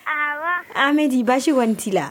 Ayiwa an bɛ di basi kɔni t'i la